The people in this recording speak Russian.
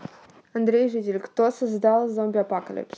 андрей житель кто создал zombie apocalypse